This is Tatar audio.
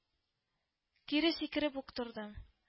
Кире сикереп үк тордым